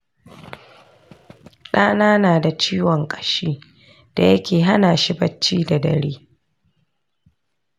ɗana na da ciwon ƙashi da yake hana shi bacci da dare.